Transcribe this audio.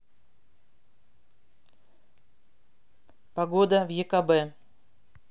погода в екб